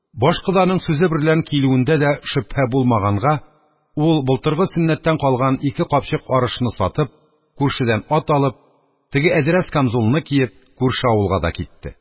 Баш коданың сүзе берлән килүендә дә шөбһә булмаганга, ул былтыргы сөннәттән калган ике капчык арышны сатып, күршедән ат алып, теге әдрәс камзулны киеп, күрше авылга да китте.